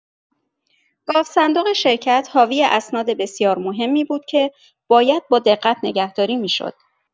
گاوصندوق شرکت حاوی اسناد بسیار مهمی بود که باید با دقت نگهداری می‌شد.